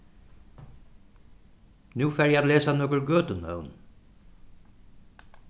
nú fari eg at lesa nøkur gøtunøvn